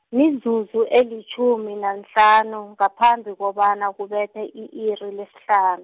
mizuzu elitjhumi nanhlanu, ngaphambi kobana kubethe i-iri lesihlanu.